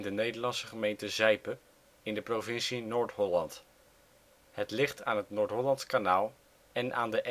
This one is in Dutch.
Nederlandse gemeente Zijpe (provincie Noord-Holland). Het ligt aan het Noordhollandsch Kanaal en aan de